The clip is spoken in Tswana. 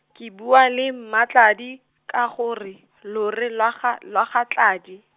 ke bua le Mmatladi, ka gore, lore lwa ga, lwa ga Tladi.